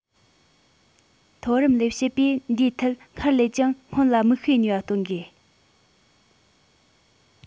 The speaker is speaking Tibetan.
མཐོ རིམ ལས བྱེད པས འདིའི ཐད སྔར ལས ཀྱང སྔོན ལ མིག དཔེའི ནུས པ སྟོན དགོས